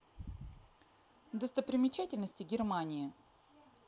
достопримечательности германии